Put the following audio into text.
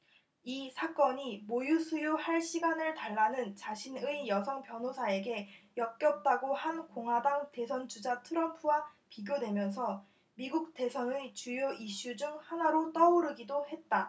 이 사건이 모유 수유할 시간을 달라는 자신의 여성 변호사에게 역겹다고 한 공화당 대선 주자 트럼프와 비교되면서 미국 대선의 주요 이슈 중 하나로 떠오르기도 했다